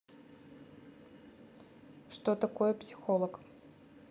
что такое психолог